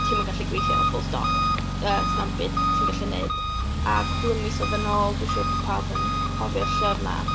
Ti'm yn gallu gweithio full stop, yy, sna'm byd ti'n gallu wneud. A cwpwl o misoedd yn ôl dwi'n siŵr bod pawb yn cofio lle oedd 'na...